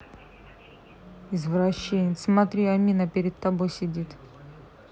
извращенец смотри амина перед тобой сидит